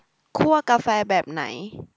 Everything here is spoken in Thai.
คั่วกาแฟแบบไหน